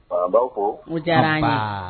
Wa, an b'aw fo, u diyara n ye!an baa.